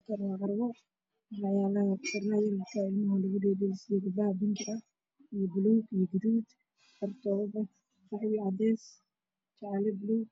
Waa carwooyinka waxaa yaalo dhar Ilmo kasta